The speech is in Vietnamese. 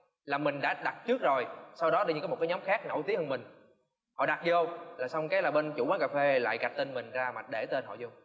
là mình đã đặt trước rồi sau đó tự nhiên có một nhóm khác nổi tiếng hơn mình họ đặt vô là xong cái là bên chủ quán cà phê lại gạch tên mình ra mặt để tên họ vô